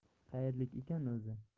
qayerlik ekan o'zi